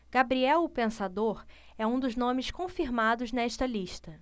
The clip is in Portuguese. gabriel o pensador é um dos nomes confirmados nesta lista